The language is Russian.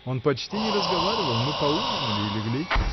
— Он почти не разговаривал: мы поужинали и легли.